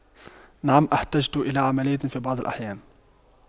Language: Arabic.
نعم احتجت الى عملية في بعض الأحيان